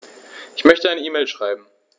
Ich möchte eine E-Mail schreiben.